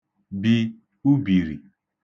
bì ubìrì